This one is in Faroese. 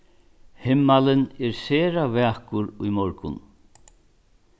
himmalin er sera vakur í morgun